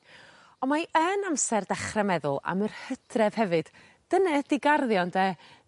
On' mae yn amser dechre meddwl am yr Hydref hefyd dyne ydi garddio ynde?